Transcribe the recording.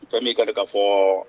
Fɛn b'i ka ka fɔ